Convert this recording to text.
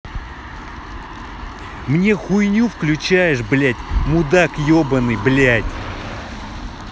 мне хуйню включаешь блядь мудак ебаный блядь